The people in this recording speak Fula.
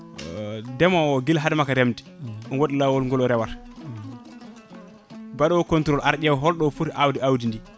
ndeemowo o guila haade makko remde ɗum waɗi lawol ngol o rewata mbaɗo controle ara ƴeewa holɗo ɗo o footi awde awdi ndi